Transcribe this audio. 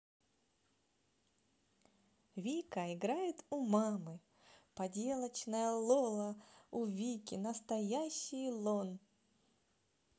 вика играет у мамы поделочная лола у вики настоящий lone